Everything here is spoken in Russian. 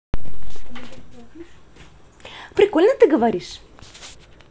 прикольно ты говоришь